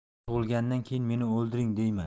bola tug'ilganidan keyin meni o'ldiring deyman